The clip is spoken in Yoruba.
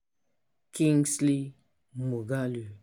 Kingsley Moghalu